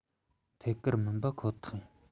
ཐད ཀར མིན པ ཁོ ཐག ཡིན